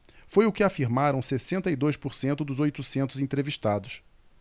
foi o que afirmaram sessenta e dois por cento dos oitocentos entrevistados